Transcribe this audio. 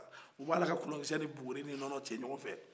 u b'a la ka kolonkisɛ ni buguri ni nɔnɔ ta ɲɔgɔn fɛ